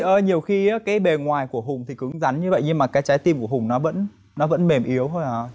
chị ơi nhiều khi á cái bề ngoài của hùng nó cứng rắn như vậy nhưng mà cái trái tim của hùng nó vẫn nó vẫn mềm yếu thôi à